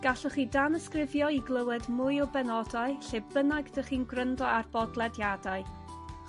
gallwch chi danysgrifio i glywed mwy o benodau lle bynnag 'dych chi'n gwryndo ar bodlediadau